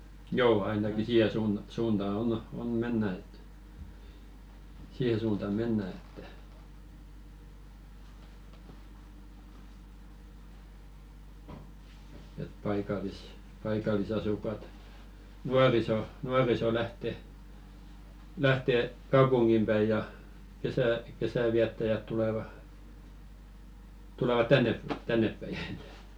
joo ainakin siihen - suuntaan on on mennään että siihen suunta mennään että että - paikallisasukkaat nuoriso nuoriso lähtee lähtee kaupunkiin päin ja - kesänviettäjät tulevat tulevat - tännepäin